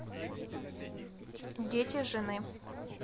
дети жены